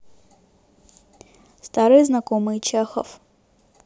старые знакомые чехов